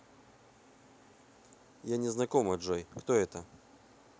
я не знакомы джой это кто